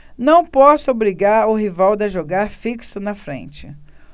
não posso obrigar o rivaldo a jogar fixo na frente